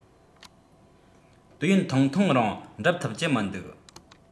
དུས ཡུན ཐུང ཐུང རིང འགྲུབ ཐུབ ཀྱི མི འདུག